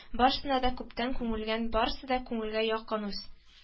Барысына да күптән күнегелгән, барысы да күңелгә якын, үз